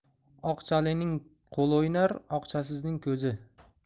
oqchalining qo'li o'ynar oqchasizning ko'zi